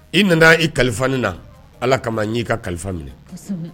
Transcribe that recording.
I nana i kalifa ne na Ala kama n y'i ka kalifa minɛ